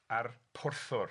A'r pwrthwr.